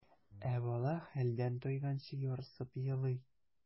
Ә бала хәлдән тайганчы ярсып елый.